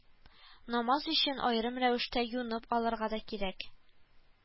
Намаз өчен аерым рәвештә юынып алырга да кирәк